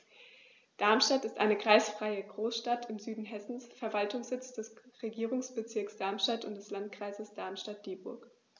Darmstadt ist eine kreisfreie Großstadt im Süden Hessens, Verwaltungssitz des Regierungsbezirks Darmstadt und des Landkreises Darmstadt-Dieburg.